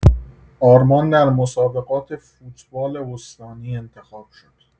آرمان در مسابقات فوتبال استانی انتخاب شد.